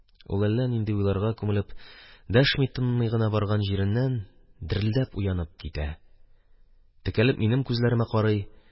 Ул әллә нинди уйларга күмелеп, дәшми-тынмый гына барган җиреннән дерелдәп уянып китә, текәлеп минем күзләремә карый.